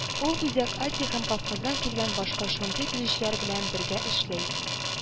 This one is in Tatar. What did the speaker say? Ул Үзәк Азия һәм Кавказдан килгән башка шундый төзүчеләр белән бергә эшли